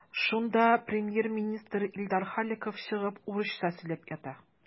Шунда премьер-министр Илдар Халиков чыгып урысча сөйләп ята.